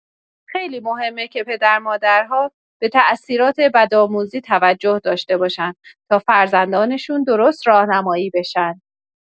خیلی مهمه که پدر و مادرها به تاثیرات بدآموزی توجه داشته باشن تا فرزندانشون درست راهنمایی بشن.